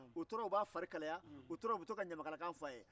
u tora u b'a fari kalaya u tora u bɛ ɲamakalakan fɔ a ye